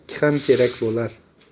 ikki ham kerak bo'lar